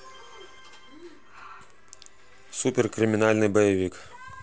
супер криминальный боевик